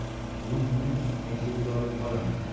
bugun uni maishatga olib qolaman